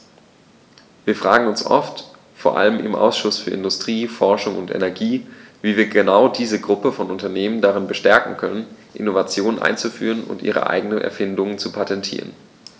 Wir fragen uns oft, vor allem im Ausschuss für Industrie, Forschung und Energie, wie wir genau diese Gruppe von Unternehmen darin bestärken können, Innovationen einzuführen und ihre eigenen Erfindungen zu patentieren.